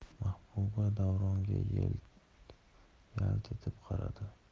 mahbuba davronga yalt etib qaradi